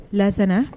Lana